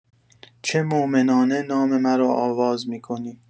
چه مومنانه نام مرا آواز می‌کنی!